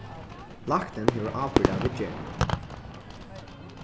læknin hevur ábyrgd av viðgerðini